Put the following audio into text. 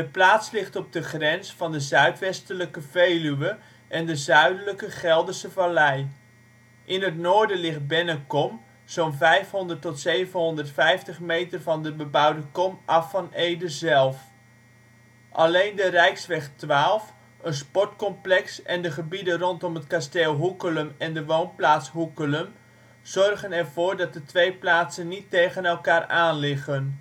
plaats ligt op de grens van de zuidwestelijke Veluwe en de zuidelijke Gelderse Vallei. In het noorden ligt Bennekom zo 'n 500 tot 750 meter van de bebouwde kom af van Ede zelf. Alleen de Rijksweg 12, een sportcomplex, en de gebieden rondom het kasteel Hoekelum en de woonplaats Hoekelum zorgen er voor dat de twee plaatsen niet tegen elkaar liggen